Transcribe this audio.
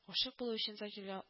Гашыйк булу өчен закирга